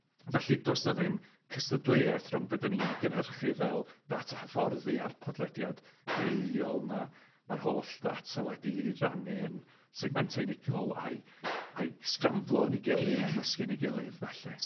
felly does 'na ddim cystadleuaeth rhwng be' 'dan ni'n ei gynhyrchu fel data hyfforddi a'r podlediad gwreiddiol, ma' ma'r holl ddata wedi 'i rhannu yn segmenta unigol a'i a'i sgramblo yn ei gilydd. Ie. I gymysgu yn ei gilydd, felly.